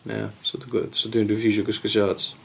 Ia, so dwi'n g... dwi'n reffiwsio gwisgo siorts.